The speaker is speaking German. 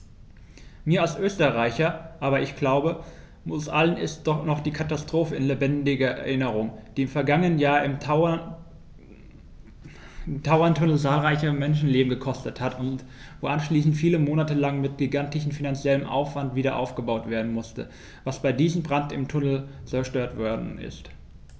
Mir als Österreicher, aber ich glaube, uns allen ist noch die Katastrophe in lebendiger Erinnerung, die im vergangenen Jahr im Tauerntunnel zahlreiche Menschenleben gekostet hat und wo anschließend viele Monate lang mit gigantischem finanziellem Aufwand wiederaufgebaut werden musste, was bei diesem Brand im Tunnel zerstört worden ist.